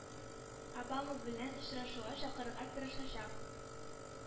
Обама белән очрашуга чакырырга тырышачак